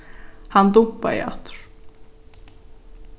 hann dumpaði aftur